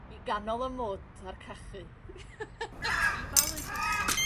i ganol y mwd a'r cachu. i falu cachu.